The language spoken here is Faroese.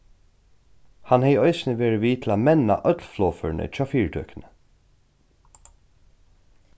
hann hevði eisini verið við til at menna øll flogførini hjá fyritøkuni